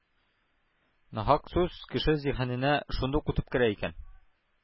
Нахак сүз кеше зиһененә шундук үтеп керә икән,